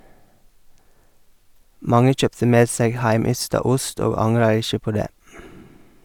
Mange kjøpte med seg heimeysta ost, og angrar ikkje på det.